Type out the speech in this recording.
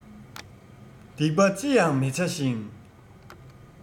སྡིག པ ཅི ཡང མི བྱ ཞིང